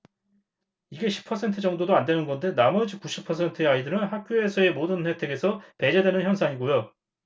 이게 십 퍼센트 정도도 안 되는 건데 나머지 구십 퍼센트의 아이들은 학교에서의 모든 혜택에서 배제되는 현상이고요